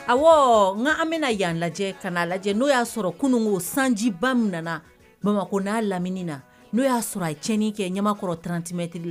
Ɔwɔ n nka an bɛna yanan lajɛ ka lajɛ n'o y'a sɔrɔ kunun ko sanjiba nana bamakɔ n'a lamini na n'o y'a sɔrɔ acin kɛ ɲamakɔrɔ ttɛmɛelili